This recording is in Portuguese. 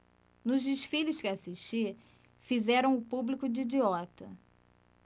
nos desfiles que assisti fizeram o público de idiota